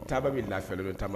Ta bɛ lafifɛli don taama